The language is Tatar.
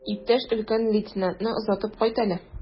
Иптәш өлкән лейтенантны озатып кайт әле.